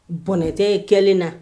Bɔnɛtɛ kɛlen na